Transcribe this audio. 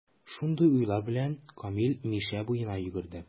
Шундый уйлар белән, Камил Мишә буена йөгерде.